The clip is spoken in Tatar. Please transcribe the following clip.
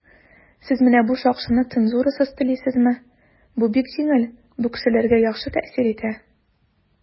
"сез менә бу шакшыны цензурасыз телисезме?" - бу бик җиңел, бу кешеләргә яхшы тәэсир итә.